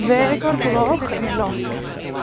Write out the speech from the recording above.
ddeg o'r gloch yn y nos.